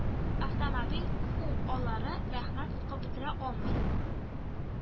Автомобиль ху алары рәхмәт укып бетә алмый